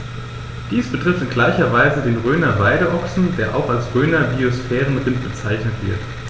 Dies betrifft in gleicher Weise den Rhöner Weideochsen, der auch als Rhöner Biosphärenrind bezeichnet wird.